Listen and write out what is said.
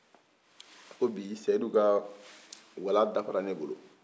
a ko bi sedu ka wala dafara ne bolo